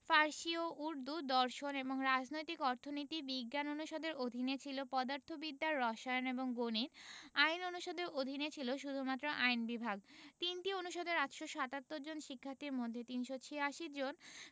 ফার্সি ও উর্দু দর্শন এবং রাজনৈতিক অর্থনীতি বিজ্ঞান অনুষদের অধীনে ছিল পদার্থবিদ্যা রসায়ন এবং গণিত আইন অনুষদের অধীনে ছিল শুধুমাত্র আইন বিভাগ ৩টি অনুষদের ৮৭৭ জন শিক্ষার্থীর মধ্যে ৩৮৬ জন